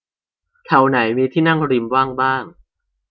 แถวไหนมีที่นั่งริมว่างบ้าง